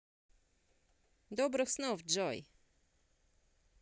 добрых снов джой